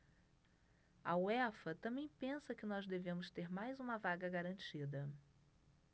a uefa também pensa que nós devemos ter mais uma vaga garantida